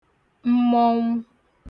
mmọnwụ